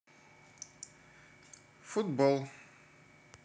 футбол